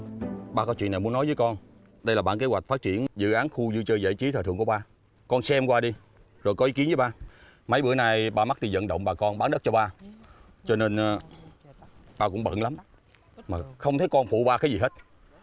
ba có chuyện muốn nói với con đây là bản kế hoạch phát triển dự án khu vui chơi giải trí thỏa thuận của ba con xem qua đi rồi có ý kiến với ba mấy bữa nay ba mất đi vận động bà con bán đất cho ba cho nên ba cũng bận lắm mà không thấy con phụ ba cái gì hết